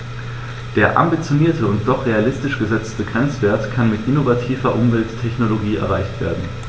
Der ambitionierte und doch realistisch gesetzte Grenzwert kann mit innovativer Umwelttechnologie erreicht werden.